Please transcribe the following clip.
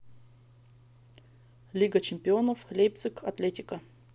лига чемпионов лейпциг атлетико